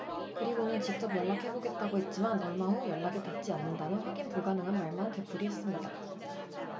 그리고는 직접 연락해보겠다고 했지만 얼마 후 연락이 닿지 않는다는 확인 불가능한 말만 되풀이했습니다